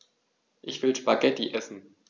Ich will Spaghetti essen.